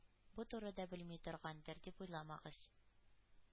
Бу турыда белми торгандыр, дип уйламагыз.